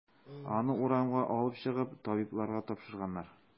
Аны урамга алып чыгып, табибларга тапшырганнар.